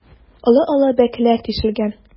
Олы-олы бәкеләр тишелгән.